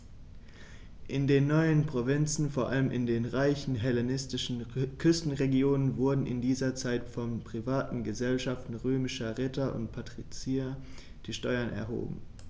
In den neuen Provinzen, vor allem in den reichen hellenistischen Küstenregionen, wurden in dieser Zeit von privaten „Gesellschaften“ römischer Ritter und Patrizier die Steuern erhoben.